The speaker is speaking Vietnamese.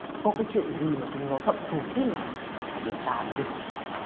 có cái chuyện gì mà chúng nó thậm thụt thế nhờ phải điều tra mới được